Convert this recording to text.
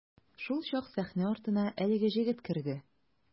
Шулчак сәхнә артына әлеге җегет керде.